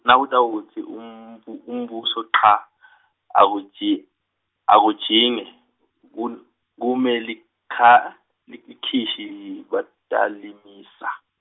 Nawutawutsi umbo- umbuso cha , akuji- akujinge kul-, kume likha- li- li-, likhishi batalimisa.